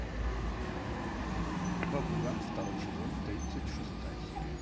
бакуган второй сезон тридцать шестая серия